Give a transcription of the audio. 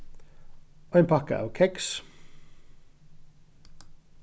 ein pakka av keks